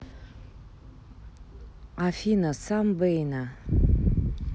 афина сам бэйна